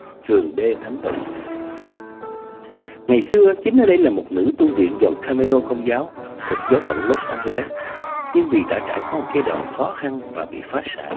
trường đê thánh tử ngày xưa chính nơi đây là một nữ tu viện dòng ca mi lô công giáo thuộc giáo phận lốt an dơ lét nhưng vì đã trải qua một giai đoạn khó khăn và bị phá sản